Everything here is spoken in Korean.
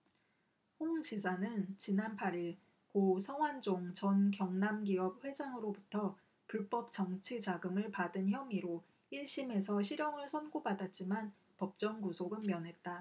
홍 지사는 지난 팔 일 고 성완종 전 경남기업 회장으로부터 불법 정치자금을 받은 혐의로 일 심에서 실형을 선고받았지만 법정 구속은 면했다